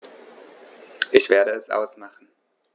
Ich werde es ausmachen